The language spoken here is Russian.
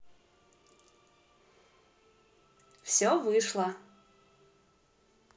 все вышло